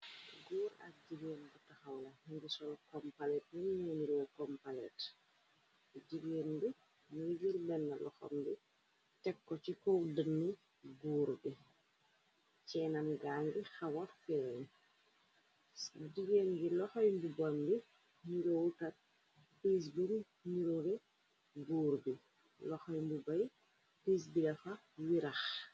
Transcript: Goor ak jigeen bu taxaw, ñingi sol kompalet niñni nuroo kompalet, jigéen bi mi ngi jël benn loxam bi tekko ci kow dëni goor bi, ceenam gaangi xawa fereñ, jigeen bi loxo mbubom bi nuroowukat pis bu nurure goor gi, loxo mbu bay pis bi dafa wirax.